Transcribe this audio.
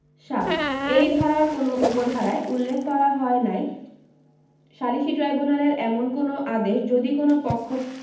৭ এই ধারার কোন উপ ধারায় উল্লেখ করা হয় নাই সালিসী ট্রাইব্যুনালের এমন কোন আদেশ যদি কোন পক্ষ